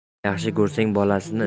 yaxshi ko'rsang bolasin